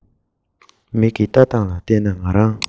མིག གིས ལྟ སྟངས ལ བལྟས ན ང རང